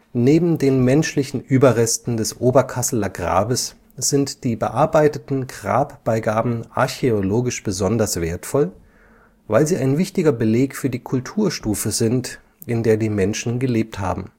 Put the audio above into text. Neben den menschlichen Überresten des Oberkasseler Grabes sind die bearbeiteten Grabbeigaben archäologisch besonders wertvoll, weil sie ein wichtiger Beleg für die Kulturstufe sind, in der die Menschen gelebt haben